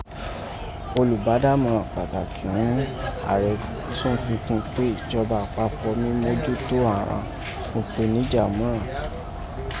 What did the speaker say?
Olùbádàmọ̀ràn pàtàkì ghún ààrẹ tọ́n fi kọn pé ìjọba àpapọ̀ mí mójú to àghan ùpèníjà mùúràn.